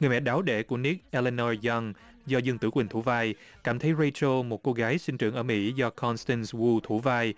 người mẹ đáo để của ních en lơ noi giăng do dương tử quỳnh thủ vai cảm thấy rây chô một cô gái sinh trưởng ở mỹ do con ten hu thủ vai